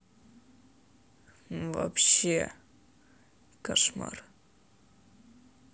вообще кошмар